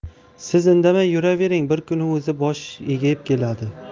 siz indamay yuravering bir kuni o'zi bosh egib keladi